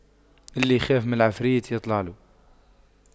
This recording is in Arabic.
اللي يخاف من العفريت يطلع له